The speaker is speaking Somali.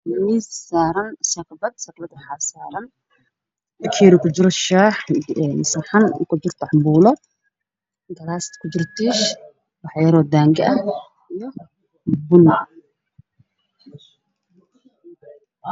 Waa miis waxaa saaran sakbad waxaa saaran bakeeri kujiro shaax iyo saxan cambuulo kujirto, gaalaas tiish kujiro, wax yaroo daango ah iyo bun.